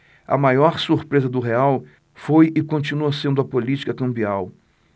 a maior surpresa do real foi e continua sendo a política cambial